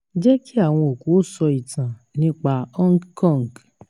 Jẹ́ kí àwọn òkú ó sọ ìtàn nípa Hong Kong